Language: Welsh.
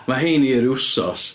Mae hein i ryw wsos.